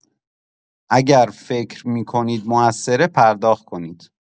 اگه فکر می‌کنید موثره پرداخت کنید.